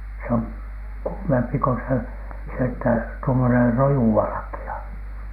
se on kuumempi kuin se se että tuommoinen rojuvalkea